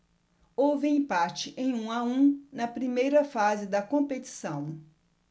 houve empate em um a um na primeira fase da competição